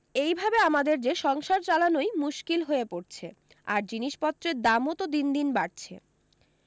এইভাবে আমাদের যে সংসার চালানৈ মুশকিল হয়ে পড়ছে আর জিনিসপত্রের দামও তো দিন দিন বাড়ছে